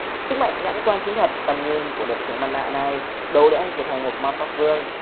sức mạnh nhãn quan chiến thuật tầm nhìn của đội trưởng mặt nạ này đủ để anh trở thành mpv